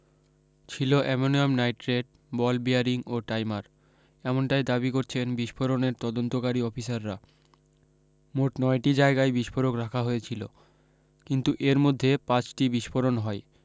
ছিল ammonium nitrate ball bearing ও timer এমনটাই দাবি করছেন বিস্ফোরণের তদন্তকারী অফিসাররা মোট নয়টি জায়গায় বিস্ফোরক রাখা হয়েছিলো কিন্তু এর মধ্যে পাঁচ টি বিস্ফোরণ হয়